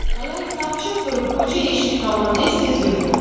g'ilay sapchib turib ko'cha eshik tomon tez tez yurdi